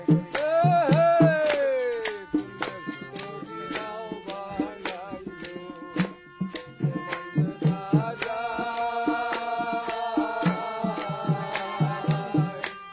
কোন মিস্তুরি নাউ বানাইলো কেমন দেখা যায়